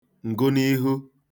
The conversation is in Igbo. ǹgụniihu